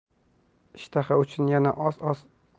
ishtaha uchun yana oz oz